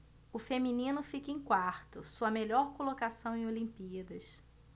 o feminino fica em quarto sua melhor colocação em olimpíadas